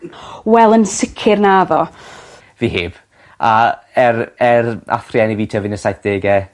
Wel yn sicir naddo. Fi heb a er er nath rieni fi tyfu yn y saithdege